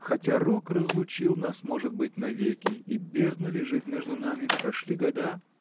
Хотя рок разлучил нас, может быть, навеки и бездна лежит между нами прошли года.